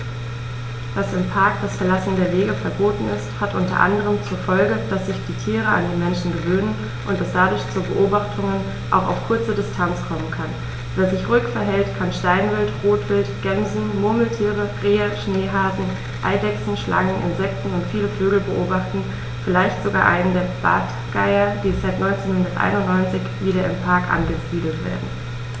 Dass im Park das Verlassen der Wege verboten ist, hat unter anderem zur Folge, dass sich die Tiere an die Menschen gewöhnen und es dadurch zu Beobachtungen auch auf kurze Distanz kommen kann. Wer sich ruhig verhält, kann Steinwild, Rotwild, Gämsen, Murmeltiere, Rehe, Schneehasen, Eidechsen, Schlangen, Insekten und viele Vögel beobachten, vielleicht sogar einen der Bartgeier, die seit 1991 wieder im Park angesiedelt werden.